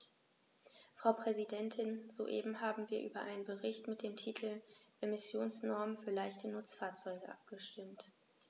Frau Präsidentin, soeben haben wir über einen Bericht mit dem Titel "Emissionsnormen für leichte Nutzfahrzeuge" abgestimmt.